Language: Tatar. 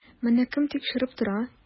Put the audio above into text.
Моны кем тикшереп тора?